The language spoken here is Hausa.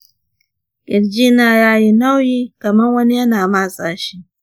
ƙirji na yayi nauyi kaman wani yana matsa shi.